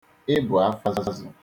Ị bụ afọ azụ.